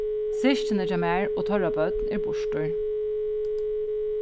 systkini hjá mær og teirra børn eru burtur